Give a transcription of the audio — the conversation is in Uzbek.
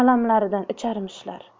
alamlaridan icharmishlar